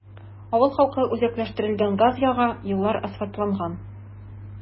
Авыл халкы үзәкләштерелгән газ яга, юллар асфальтланган.